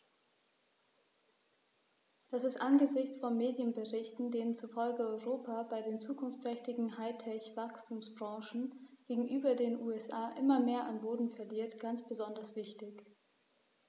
Das ist angesichts von Medienberichten, denen zufolge Europa bei den zukunftsträchtigen High-Tech-Wachstumsbranchen gegenüber den USA immer mehr an Boden verliert, ganz besonders wichtig.